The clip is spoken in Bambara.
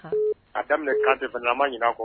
A daminɛ kante fana na an ma ɲina kɔ.